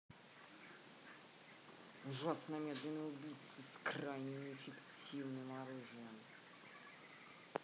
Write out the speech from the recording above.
ужасно медленный убийца с крайне неэффективным оружием